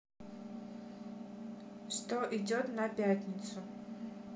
что идет на пятницу